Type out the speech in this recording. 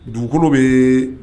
Dugukolo bee